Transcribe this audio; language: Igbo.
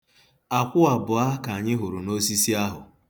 Akwụ abụọ ka anyị hụrụ n'osisi ahụ.